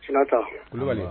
Si ta